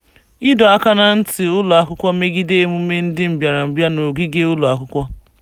Ịdọ aka na ntị ụlọakwụkwọ megide emume ndị mbịarambịa n'ogige ụlọakwụkwọ.